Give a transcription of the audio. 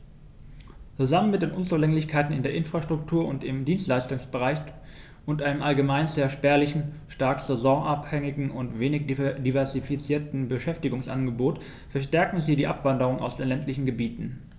Zusammen mit den Unzulänglichkeiten in der Infrastruktur und im Dienstleistungsbereich und einem allgemein sehr spärlichen, stark saisonabhängigen und wenig diversifizierten Beschäftigungsangebot verstärken sie die Abwanderung aus den ländlichen Gebieten.